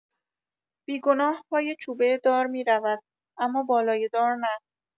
بیگناه پای چوبه دار می‌رود، اما بالای دار نه!